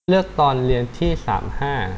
เลือกตอนเรียนที่สามห้า